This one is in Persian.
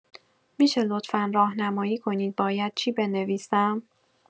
می‌شه لطفا راهنمایی کنید باید چی بنویسم؟